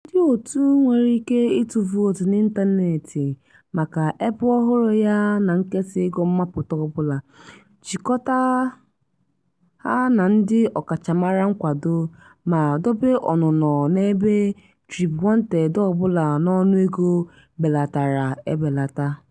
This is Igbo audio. Ndịòtù nwere ike ịtụ vootu n'ịntanetị maka ebe ọhụrụ ya na nkesa ego mmapụta ọbụla, jikọta ha na ndị ọkachamara nkwado, ma dobe ọnụnọ n'ebe TribeWanted ọbụla n'ọnụego belatara ebelata.